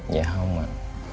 dạ hông ạ